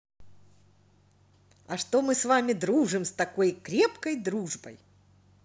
а что что мы с вами дружим с такой крепкой дружбой